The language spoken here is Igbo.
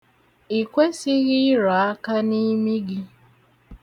Ị kwesighị irọ aka n'imi gị.